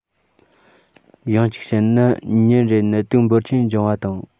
ཡང གཅིག བཤད ན ཉིན རེར ནད དུག འབོར ཆེན འབྱུང བ དང